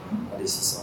Ayi sisan